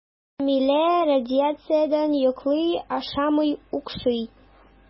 Камилла радиациядән йоклый, ашамый, укшый.